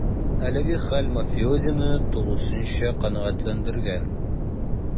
Әлеге хәл мафиозины тулысынча канәгатьләндергән: